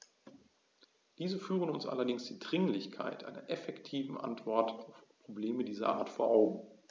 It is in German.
Diese führen uns allerdings die Dringlichkeit einer effektiven Antwort auf Probleme dieser Art vor Augen.